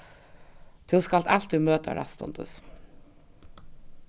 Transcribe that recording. tú skalt altíð møta rættstundis